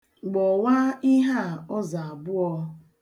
Gbọwaa ihe a ụzọ abụọ.